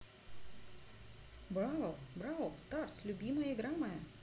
brawl бравл старс любимая игра моя